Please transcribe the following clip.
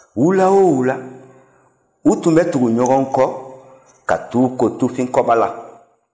wula o wula u tun bɛ tugu ɲɔgɔn kɔ ka t'u ko tufin kɔba la